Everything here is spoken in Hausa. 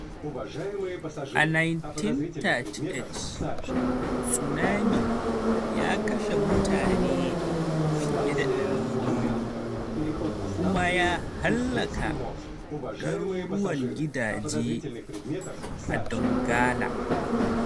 A 1938, tsunami ya kashe mutane fiye da 200 kuma ya hallaka daruruwan gidaje a Donggala.